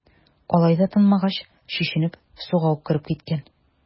Алай да тынмагач, чишенеп, суга ук кереп киткән.